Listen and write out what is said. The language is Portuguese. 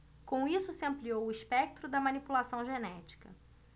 com isso se ampliou o espectro da manipulação genética